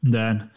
Ynden.